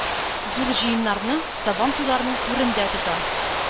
Зур җыеннарның, сабантуйларның түрендә тота.